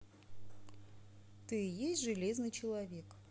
ты есть железный человек